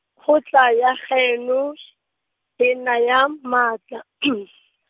kgotla ya gaeno, e naya maatla .